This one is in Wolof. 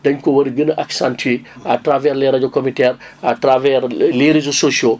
dañ ko war a gën a accentuer à travers les rajo communautaires à travers les reseaux sociaux